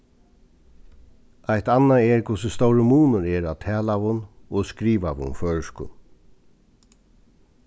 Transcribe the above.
eitt annað er hvussu stórur munur er á talaðum og skrivaðum føroyskum